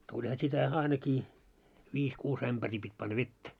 tulihan sitä ainakin viisi kuusi ämpäriä piti panna vettä